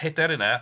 Pedair yna.